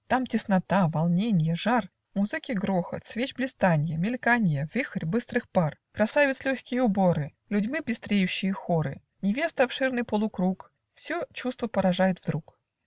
Там теснота, волненье, жар, Музыки грохот, свеч блистанье, Мельканье, вихорь быстрых пар, Красавиц легкие уборы, Людьми пестреющие хоры, Невест обширный полукруг, Все чувства поражает вдруг.